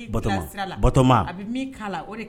Ba batoma